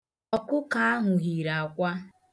Ọkụkọ ahụ yiri akwa.